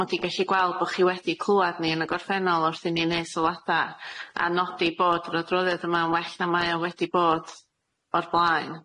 mod i gellu gweld bo' chi wedi clwad ni yn y gorffennol wrth i ni neud sylwada, a nodi bod yr adroddiad yma yn well na mae o wedi bod o'r blaen.